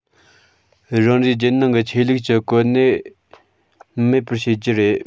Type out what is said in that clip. རང རེའི རྒྱལ ནང གི ཆོས ལུགས ཀྱི གོ གནས མེད པར བྱེད རྒྱུ རེད